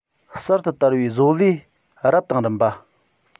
གསར དུ དར བའི བཟོ ལས རབ དང རིམ པ